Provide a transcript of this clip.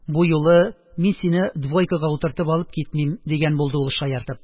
Бу юлы мин сине двойкага утыртып алып китмим, – дигән булды ул, шаяртып.